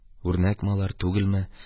Үрнәкме алар, түгелме?